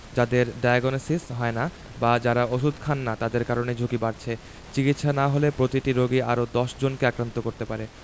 যাদের ডায়াগনসিস হয় না বা যারা ওষুধ খান না তাদের কারণেই ঝুঁকি বাড়ছে চিকিৎসা না হলে প্রতিটি রোগী আরও ১০ জনকে আক্রান্ত করাতে পারে